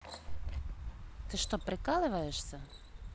ты что прикалываешься